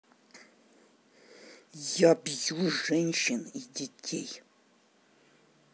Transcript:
я бью женщин и детей